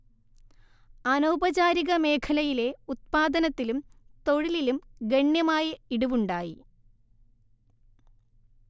അനൗപചാരിക മേഖലയിലെ ഉത്പാദനത്തിലും തൊഴിലിലും ഗണ്യമായി ഇടിവുണ്ടായി